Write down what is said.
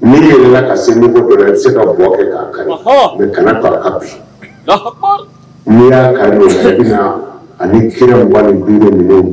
Mori yɛrɛ ka segin se ka bɔ kɛ'a ka kana bi ni y'a ka fɛn ani kira wa du ninnu